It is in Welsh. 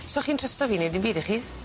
So chi'n trysto fi neud dim byd y'ch chi?